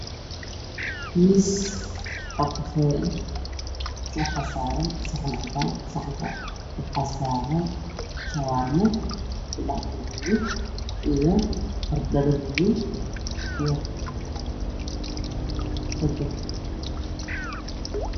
Miis oo kafee ah waxaa saaran saxan cadaan saxanka waxaa saaran shawaarmo iyo dhalo biyo iyo kajab